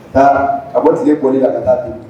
Aa a wari tigɛ koɔri la ka taa to